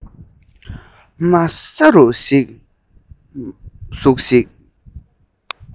དམའ ས རུ གཤེར གཟུགས ཤིག